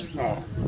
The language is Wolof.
waaw